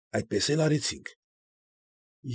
Այսպես էլ արինք։